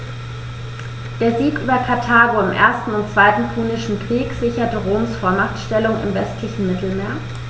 Der Sieg über Karthago im 1. und 2. Punischen Krieg sicherte Roms Vormachtstellung im westlichen Mittelmeer.